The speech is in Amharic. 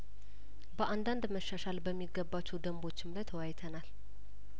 በአንዳንድ መሻሻል በሚገባቸው ደንቦችም ላይ ተወያይተናል